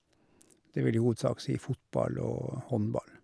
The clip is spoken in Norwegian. Det vil i hovedsak si fotball og håndball.